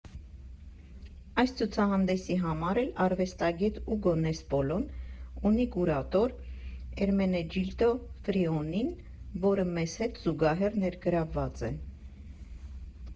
Այս ցուցահանդեսի համար էլ արվեստագետ Ուգո Նեսպոլոն ունի կուրատոր Էրմենեջիլդո Ֆրիոնին, որը մեզ հետ զուգահեռ ներգրավված է։